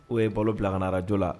Ku ye balo bila ka na radio la.